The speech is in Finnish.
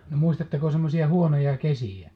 no muistatteko semmoisia huonoja kesiä